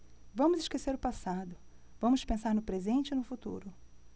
vamos esquecer o passado vamos pensar no presente e no futuro